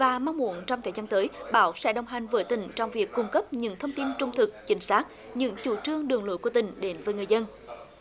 và mong muốn trong thời gian tới báo sẽ đồng hành với tỉnh trong việc cung cấp những thông tin trung thực chính xác những chủ trương đường lối của tỉnh đến với người dân